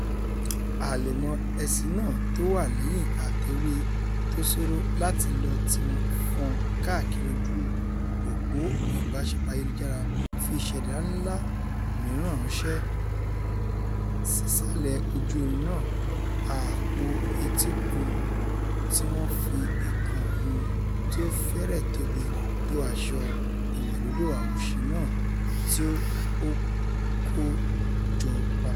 Àlẹ̀mọ́ ẹ̀ṣìn náà tówà lẹ́yìn ate-ori tóṣòro láti lò tíwọ́n fọ́n káàkiri ojú-òpò ìbáṣepọ̀ ayelujara fi ìṣẹ̀dá ńlá mìíràn rańṣẹ́ sísàlẹ̀ ojú ìrìn náá - àpò etíkun tíwọ́n fi ìko hun tí ó fẹ́rẹ̀ tóbi tó asọ ìwẹ̀lódò àwòṣe náà tí ó kó o jọ papọ̀.